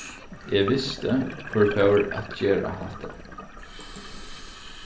eg visti hvør fór at gera hatta